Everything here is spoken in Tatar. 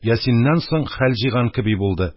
«ясин»нан соң хәл җыйган кеби булды